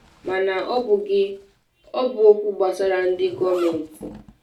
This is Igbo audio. Mana ọ bụghị, ọ bụ okwu gbasara ndị gọọmentị.